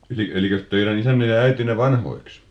- elikö teidän isänne ja äitinne vanhoiksi